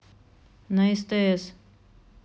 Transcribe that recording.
на стс